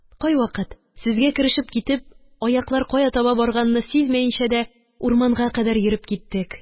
Кайвакыт, сүзгә керешеп китеп, аяклар кая таба барганны сизмәенчә дә, урманга кадәр йөреп киттек